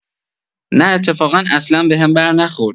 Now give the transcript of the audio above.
نه اتفاقا اصلا بهم بر نخورد!